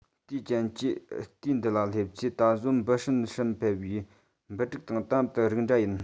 དེའི རྐྱེན གྱིས དུས འདི ལ སླེབས ཚེ དེ དག གཟོད འབུ སྲིན ཕལ བའི འབུ ཕྲུག དང དམ དུ རིགས འདྲ ཡིན